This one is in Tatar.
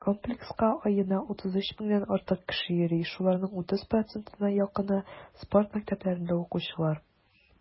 Комплекска аена 33 меңнән артык кеше йөри, шуларның 30 %-на якыны - спорт мәктәпләрендә укучылар.